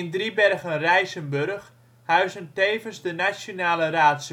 Driebergen-Rijsenburg huizen tevens de Nationale Raad